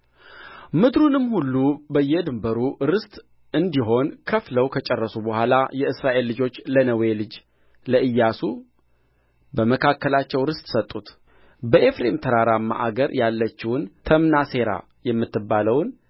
ምድሩንም ሁሉ በየድንበሩ ርስት እንዲሆን ከፍለው ከጨረሱ በኋላ የእስራኤል ልጆች ለነዌ ልጅ ለኢያሱ በመካከላቸው ርስት ሰጡት በኤፍሬም ተራራማ አገር ያለችውን ተምናሴራ የምትባለውን